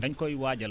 dañ koy waajal